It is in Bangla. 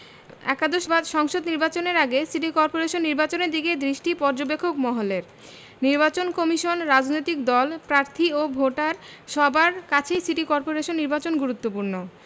একাদশ সংসদ নির্বাচনের আগে সিটি করপোরেশন নির্বাচনের দিকে দৃষ্টি পর্যবেক্ষক মহলের নির্বাচন কমিশন রাজনৈতিক দল প্রার্থী ও ভোটার সবার কাছেই সিটি করপোরেশন নির্বাচন গুরুত্বপূর্ণ